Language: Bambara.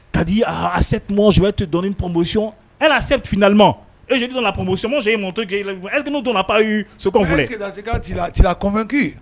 Ka di aaa a semɔzɔn tɛ dɔni ppyɔn e sefidalima ez ppsizɔn yeto er donna pa so